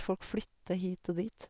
Folk flytter hit og dit.